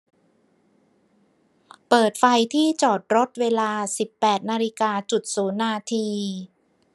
เปิดไฟที่จอดรถเวลาสิบแปดนาฬิกาจุดศูนย์นาที